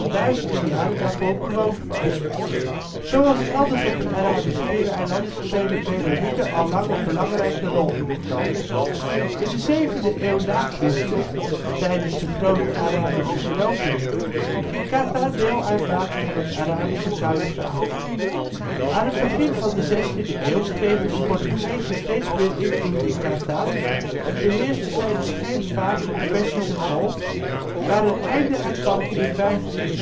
duizenden jaren daarvoor bewoond was. Zoals elders op het Arabisch Schiereiland spelen bedoeïenen al lang een belangrijke rol in het land. In de 7e eeuw n.Chr., tijdens de grote Arabische veroveringen, ging Qatar deel uitmaken van het Arabische Kalifaat. Aan het begin van de 16e eeuw kregen de Portugezen steeds meer invloed in Qatar en beheersten zij de scheepvaart in de Perzische Golf, waar een einde aan kwam in 1538